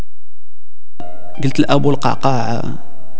قتل ابو القعقاع